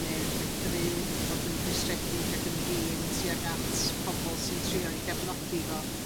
ne' yn medru bod yn rhwystredig ac yn flin tuag at pobol sy'n trio 'i gefnogi fo.